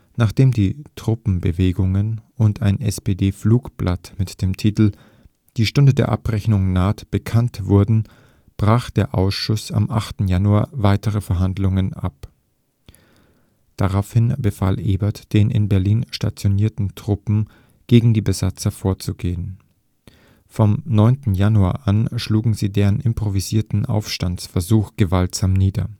Nachdem die Truppenbewegungen und ein SPD-Flugblatt mit dem Titel „ Die Stunde der Abrechnung naht “bekannt wurden, brach der Ausschuss am 8. Januar weitere Verhandlungen ab. Daraufhin befahl Ebert den in Berlin stationierten Truppen, gegen die Besetzer vorzugehen. Vom 9. Januar an schlugen sie deren improvisierten Aufstandsversuch gewaltsam nieder